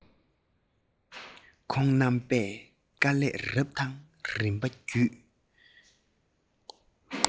ཁོང རྣམ པས དཀའ ལས རབ དང རིམ པ བརྒྱུད